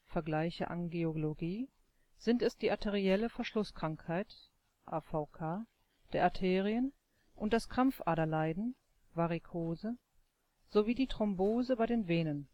vgl. Angiologie) sind es die arterielle Verschlusskrankheit (AVK) der Arterien und das Krampfaderleiden (Varikose) sowie die Thrombose bei den Venen